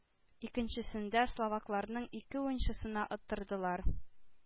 Икенчесендә словакларның ике уенчысына оттырдылар.